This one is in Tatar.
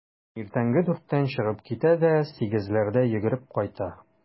Иртәнге дүрттән чыгып китә дә сигезләрдә йөгереп кайта.